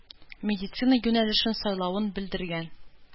Медицина юнәлешен сайлавын белдергән.